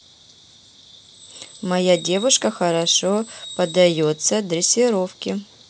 моя девушка хорошо поддается дрессировки